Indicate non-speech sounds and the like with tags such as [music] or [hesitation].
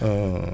[hesitation] [hesitation]